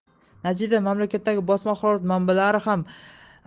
natijada mamlakatdagi bosma axborot manbalari ham